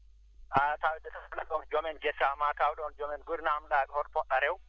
a tawde tan ko joomen gese maa taw ɗoon joomen foti naamdaade hoto poɗɗa rew